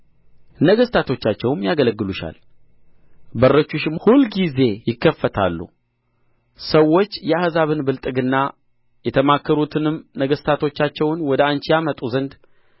ነገሥታቶቻቸውም ያገለግሉሻል በሮችሽም ሁልጊዜ ይከፈታሉ ሰዎች የአሕዛብን ብልጥግና የተማረኩትንም ነገሥታቶቻቸውን ወደ አንቺ ያመጡ ዘንድ